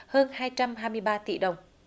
hơn hai trăm hai mươi ba tỷ đồng